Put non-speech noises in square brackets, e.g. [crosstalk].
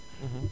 [hesitation] [hesitation] [noise]